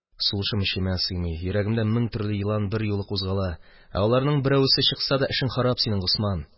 Сулышым эчемә сыймый, йөрәгемдә мең төрле елан берьюлы кузгала, ә аларның берәүсе чыкса да, эшең харап синең, Госман!